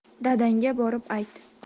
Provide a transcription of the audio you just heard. dadangga borib ayt